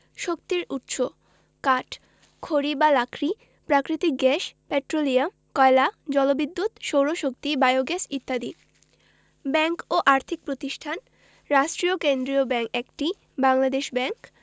শক্তির উৎসঃ কাঠ খড়ি বা লাকড়ি প্রাকৃতিক গ্যাস পেট্রোলিয়াম কয়লা জলবিদ্যুৎ সৌরশক্তি বায়োগ্যাস ইত্যাদি ব্যাংক ও আর্থিক প্রতিষ্ঠানঃ রাষ্ট্রীয় কেন্দ্রীয় ব্যাংক ১টি বাংলাদেশ ব্যাংক